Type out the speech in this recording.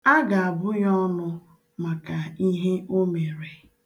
A ga-abụ ya ọnụ maka ihe o mere.